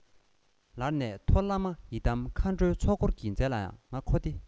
ལར ནས མཐོ བླ མ ཡི དམ མཁའ འགྲོའི ཚོགས འཁོར གྱི རྫས ལའང ང འཁོར སྟེ